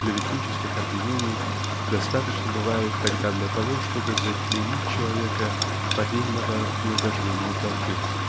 клеветнических обвинений достаточно бывает тогда для того чтобы заклеймить человека повинного в неугождении толпе.